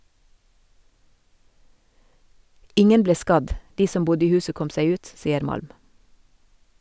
- Ingen ble skadd, de som bodde i huset kom seg ut, sier Malm.